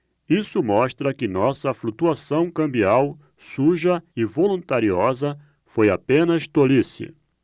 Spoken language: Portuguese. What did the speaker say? isso mostra que nossa flutuação cambial suja e voluntariosa foi apenas tolice